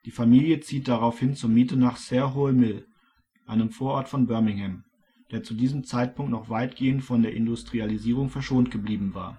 Familie zieht daraufhin zur Miete nach Sarehole Mill, einen Vorort von Birmingham, der zu diesem Zeitpunkt noch weitgehend von der Industrialisierung verschont geblieben